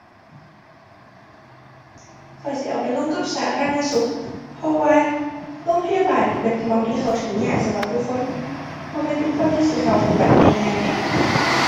ข้อยสิเอาไปลงกับสาธารณสุข เพราะว่าโรงพยาบาลเป็นหม้องที่เข้าถึงยากสำหรับทุกคน บ่แม่นทุกคนที่สิเข้าถึงแบบง่ายง่ายแหม